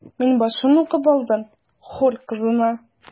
Мин башын укып алдым: “Хур кызына”.